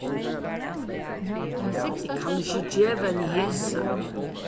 eg kann ikki geva henni hesar